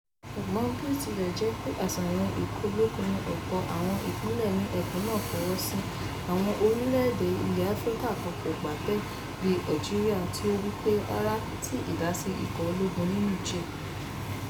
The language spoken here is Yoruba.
Ṣùgbọ́n bí ó tilẹ̀ jẹ́ pé àṣàyàn ikọ̀ ológun ní ọ̀pọ̀ àwọn ìpínlẹ̀ ní ẹkùn náà fọwọ́ sí, àwọn orílẹ̀-èdè ilẹ̀ Áfíríkà kan kò gbà bẹ́ẹ̀, bíi Algeria, tí ó ń wí pé 'rárá' sí ìdásí ikọ̀ ológun ní Niger.